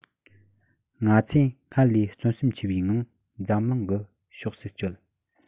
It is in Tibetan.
ང ཚོས སྔར ལས བརྩོན སེམས ཆེ བའི ངང འཛམ གླིང གི ཕྱོགས སུ བསྐྱོད